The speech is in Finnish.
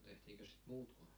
tehtiinkös sitä muuta kuin